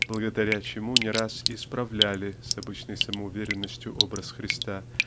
благодаря чему не раз "исправляли" с обычной самоуверенностью образ Христа